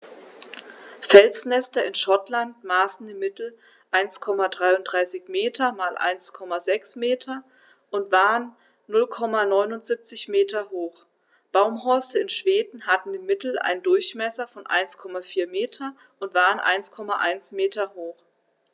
Felsnester in Schottland maßen im Mittel 1,33 m x 1,06 m und waren 0,79 m hoch, Baumhorste in Schweden hatten im Mittel einen Durchmesser von 1,4 m und waren 1,1 m hoch.